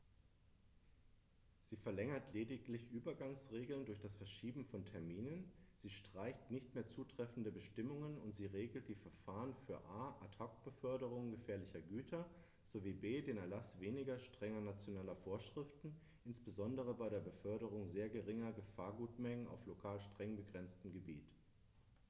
Sie verlängert lediglich Übergangsregeln durch das Verschieben von Terminen, sie streicht nicht mehr zutreffende Bestimmungen, und sie regelt die Verfahren für a) Ad hoc-Beförderungen gefährlicher Güter sowie b) den Erlaß weniger strenger nationaler Vorschriften, insbesondere bei der Beförderung sehr geringer Gefahrgutmengen auf lokal streng begrenzten Gebieten.